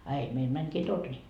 a ei meillä menikin torni